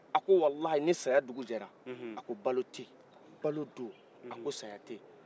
a ko walayi ni saya dugu jɛra balo tɛ ye balo don a ko saya tɛ ye